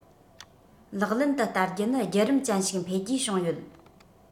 ལག ལེན དུ བསྟར རྒྱུ ནི རྒྱུད རིམ ཅན ཞིག འཕེལ རྒྱས བྱུང ཡོད